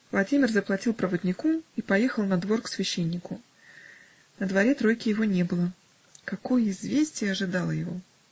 Владимир заплатил проводнику и поехал на двор к священнику. На дворе тройки его не было. Какое известие ожидало его!